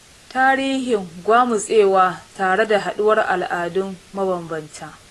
Tarihin gwamutsewa tare da haɗuwar al'adu mabambamta